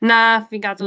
Na, fi'n gadael e.